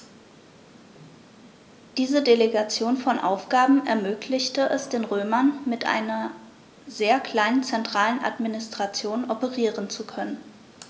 Diese Delegation von Aufgaben ermöglichte es den Römern, mit einer sehr kleinen zentralen Administration operieren zu können.